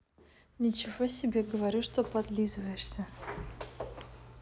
ничего себе говорю что подлизываешься